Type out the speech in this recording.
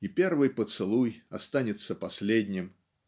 и первый поцелуй останется последним.